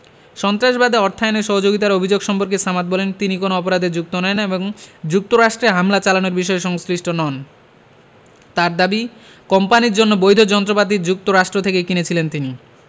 সন্ত্রাসবাদে অর্থায়নে সহযোগিতার অভিযোগ সম্পর্কে সামাদ বলেন তিনি কোনো অপরাধে যুক্ত নন এবং যুক্তরাষ্টে হামলা চালানোর বিষয়ে সংশ্লিষ্ট নন তাঁর দাবি কোম্পানির জন্য বৈধ যন্ত্রপাতি যুক্তরাষ্ট্র থেকে কিনেছিলেন তিনি